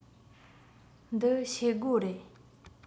འདི ཤེལ སྒོ རེད